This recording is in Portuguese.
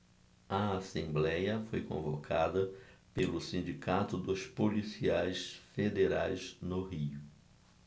a assembléia foi convocada pelo sindicato dos policiais federais no rio